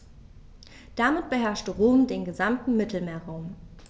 Damit beherrschte Rom den gesamten Mittelmeerraum.